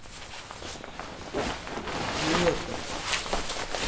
идиотка ты